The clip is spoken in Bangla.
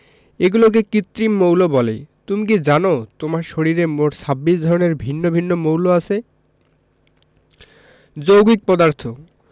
এগুলোকে কৃত্রিম মৌল বলে তুমি কি জানো তোমার শরীরে মোট ২৬ ধরনের ভিন্ন ভিন্ন মৌল আছে যৌগিক পদার্থ